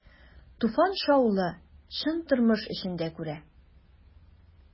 Туфан шаулы, чын тормыш эчендә күрә.